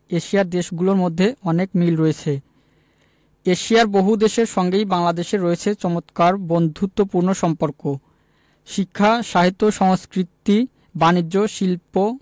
এশিয়ার দেশগুলোর মধ্যে অনেক মিল রয়েছেএশিয়ার বহুদেশের সঙ্গেই বাংলাদেশের রয়েছে চমৎকার বন্ধুত্বপূর্ণ সম্পর্ক শিক্ষা সাহিত্য সংস্কৃতি বানিজ্য শিল্প